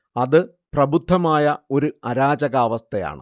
അത് പ്രബുദ്ധമായ ഒരു അരാജകാവസ്ഥയാണ്